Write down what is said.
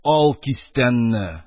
Л кистәнне